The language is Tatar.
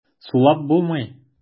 Сулап булмый.